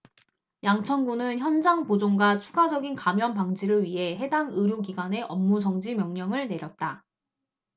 양천구는 현장 보존과 추가적인 감염 방지를 위해 해당 의료기관에 업무정지 명령을 내렸다